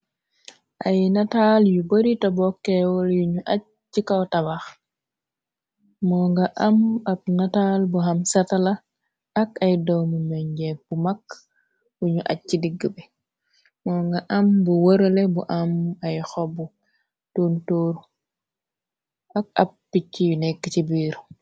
Ay nataal yu bari te bokkeewal yuñu aj ci kaw tabax, moo nga am ab nataal bu am satala ak ay doomu menjeeb bu mag buñu ac ci digg be, moo nga am bu wërale bu am ay xobu tontor ak ab picci yu nekk ci biir.